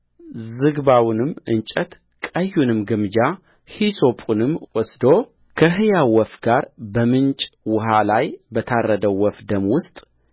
ዝግባውንም እንጨት ቀዩንም ግምጃ ሂሶጱንም ወስዶ ከሕያው ወፍ ጋር በምንጭ ውኃ ላይ በታረደው ወፍ ደም ውስጥ